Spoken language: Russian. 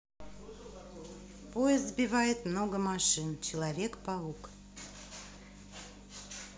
поезд сбивает много машин человек паук